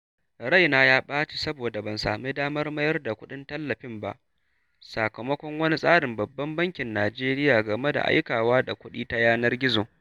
Raina ya ɓaci saboda ban sami damar mayar da kuɗin tallafin ba sakamakon wani tsarin Babban Bankin Nijeriya game da aikawa da kuɗi ta yanar gizo.